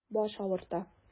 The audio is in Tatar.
Баш авырта.